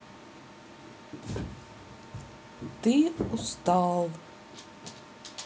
ты устал